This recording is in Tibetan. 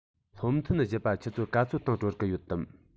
ཚོགས ཐུན བཞི པ ཆུ ཚོད ག ཚོད སྟེང གྲོལ གི ཡོད དམ